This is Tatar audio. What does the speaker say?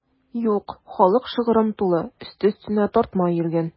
Юк, халык шыгрым тулы, өсте-өстенә тартма өелгән.